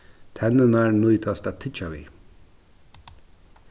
tenninar nýtast at tyggja við